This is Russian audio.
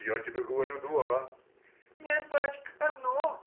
— Я тебе говорю — два! — Нет, бачка, одно.